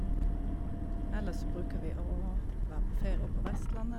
Ellers så bruker vi å være på ferie på Vestlandet.